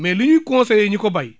mais li ñuy conseillé ñi ko bay